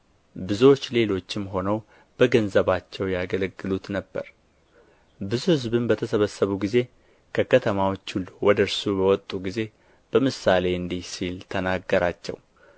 ብዙዎች ሌሎችም ሆነው በገንዘባቸው ያገለግሉት ነበር ብዙ ሕዝብም በተሰበሰቡ ጊዜ ከከተማዎችም ሁሉ ወደ እርሱ በመጡ ጊዜ በምሳሌ እንዲህ ሲል ተናገራቸው